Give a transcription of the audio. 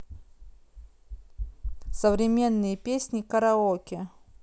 современные песни караоке